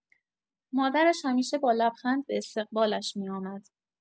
مادرش همیشه با لبخند به استقبالش می‌آمد.